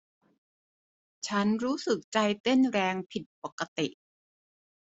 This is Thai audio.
ฉันรู้สึกใจเต้นแรงผิดปกติ